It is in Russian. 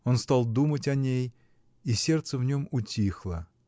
Он стал думать о ней, и сердце в нем утихло.